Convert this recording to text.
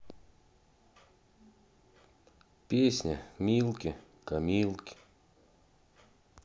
песня милки камилки